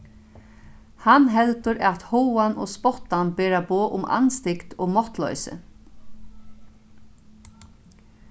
hann heldur at háðan og spottan bera boð um andstygd og máttloysi